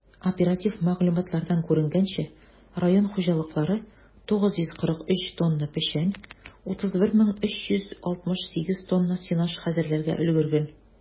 Оператив мәгълүматлардан күренгәнчә, район хуҗалыклары 943 тонна печән, 31368 тонна сенаж хәзерләргә өлгергән.